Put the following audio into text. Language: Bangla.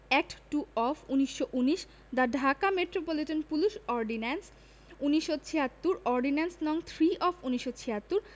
Act two of ১৯১৯ the Dhaka metropolitan police ordinance ১৯৭৬ ordinance. নং. Three of ১৯৭৬